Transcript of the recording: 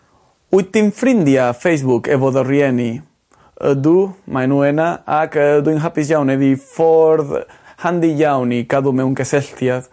Wyt ti'n frindia Facebook efo ddy rieni? Ydw mae n'w ena ac yy dwi'n hapus iawn yddi fordd handi iawn i cadw mewn gysylltiad.